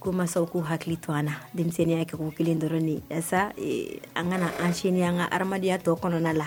Ko masaw ko hakili to an na denmisɛnninya kɛ wu kelen dɔrɔn an ka an sini an ka adamadenyaya tɔ kɔnɔna la